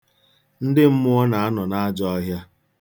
Ndị mmụọ na-anọ n'ajọọhịa.